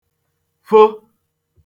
fo